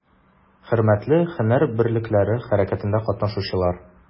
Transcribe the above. Хөрмәтле һөнәр берлекләре хәрәкәтендә катнашучылар!